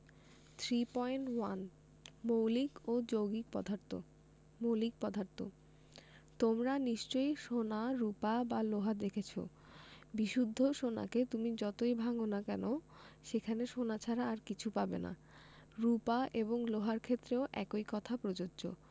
3.1 মৌলিক ও যৌগিক পদার্থঃ মৌলিক পদার্থ তোমরা নিশ্চয় সোনা রুপা বা লোহা দেখেছ বিশুদ্ধ সোনাকে তুমি যতই ভাঙ না কেন সেখানে সোনা ছাড়া আর কিছু পাবে না রুপা এবং লোহার ক্ষেত্রেও একই কথা প্রযোজ্য